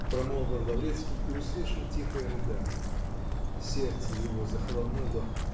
-- промолвил Лаврецкий и услышал тихое рыдание. Сердце его захолонуло.